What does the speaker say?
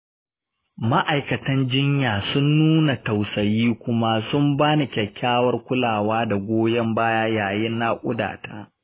ma’aikatan jinya sun nuna tausayi kuma sun ba ni kyakkyawar kulawa da goyon baya yayin nakuda ta.